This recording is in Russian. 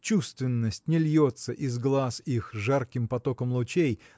Чувственность не льется из глаз их жарким потоком лучей